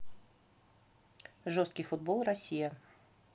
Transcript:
жесткий футбол россия